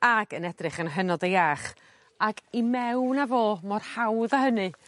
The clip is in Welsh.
Ag yn edrych yn hynod y iach ag i mewn â fo mor hawdd â hynny.